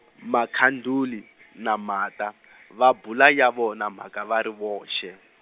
Makhanduli, na Martha, va bula ya vona mhaka va ri voxe.